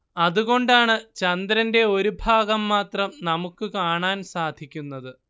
അതുകൊണ്ടാണ് ചന്ദ്രന്റെ ഒരു ഭാഗം മാത്രം നമുക്ക് കാണാൻ സാധിക്കുന്നത്